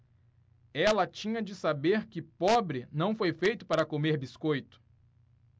ela tinha de saber que pobre não foi feito para comer biscoito